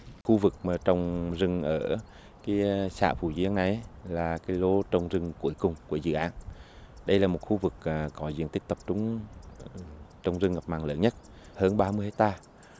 khu vực mà trồng rừng ở cái xã phú diễn ấy là cái lô trồng rừng cuối cùng của dự án đây là một khu vực à có diện tích tập trung trồng rừng ngập mặn lớn nhất hơn ba mươi héc ta